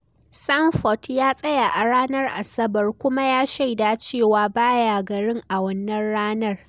Sanford ya tsaya a ranar Asabar kuma ya shaida cewa ba ya garin a Wannan ranar.